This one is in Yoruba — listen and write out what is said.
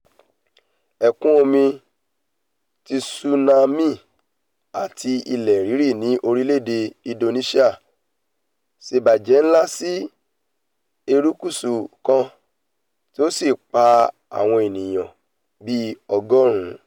Ẹ̀kún omi Tsunami àti Ilẹ̀ rírì ni orílẹ̀-èdè Indonesia ṣèbàjẹ́ ńlá si erékùsù kan, ti ó sí pa àwọn ènìyàn bíi Ọgọ́ọ̀rún